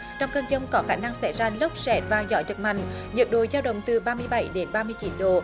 trong cơn dông có khả năng xảy ra lốc sét và gió giật mạnh nhiệt độ dao động từ ba mươi bảy đến ba mươi chín độ